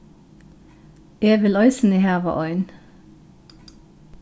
eg vil eisini hava ein